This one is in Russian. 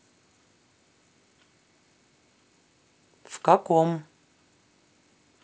в каком